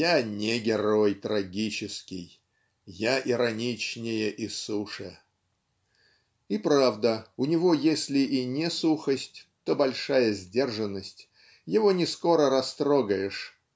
"Я не герой трагический, я ироничнее и суше". И правда у него если и не сухость то большая сдержанность его не скоро растрогаешь